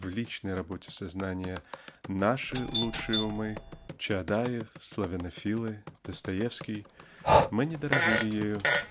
в личной работе сознания--наши лучшие умы--Чаадаев славянофилы Достоевский -- мы не дорожили ею